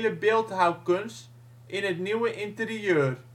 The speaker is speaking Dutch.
beeldhouwkunst in het nieuwe interieur